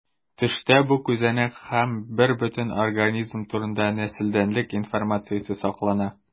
Төштә бу күзәнәк һәм бербөтен организм турында нәселдәнлек информациясе саклана.